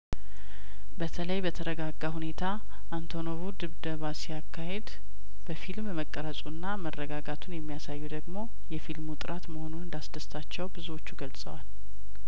በተለይ በተረጋጋ ሁኔታ አንቶኖቩ ድብደባ ሲያካሂድ በፊልም መቀረጹና መረጋጋቱን የሚያሳየው ደግሞ የፊልሙ ጥራት መሆኑን እንዳስደሰታቸው ብዙዎቹ ገልጸዋል